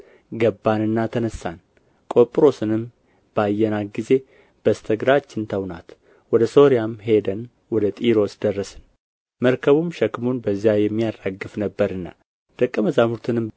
ገባንና ተነሣን ቆጵሮስንም ባየናት ጊዜ በስተ ግራችን ተውናት ወደ ሶርያም ሄደን ወደ ጢሮስ ደረስን መርከቡ ሸክሙን በዚያ የሚያራግፍ ነበርና ደቀ መዛሙርትንም